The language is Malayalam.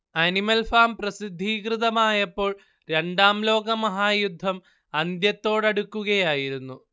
ആനിമൽ ഫാം പ്രസിദ്ധീകൃതമായപ്പോൾ രണ്ടാം ലോകമഹായുദ്ധം അന്ത്യത്തോടടുക്കുകയായിരുന്നു